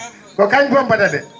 ko kañ pompata de